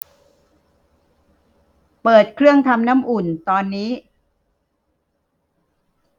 เปิดเครื่องทำน้ำอุ่นตอนนี้